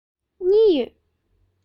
གཉིས ཡོད